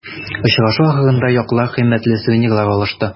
Очрашу ахырында яклар кыйммәтле сувенирлар алышты.